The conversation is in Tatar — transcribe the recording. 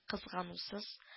Кызганусыз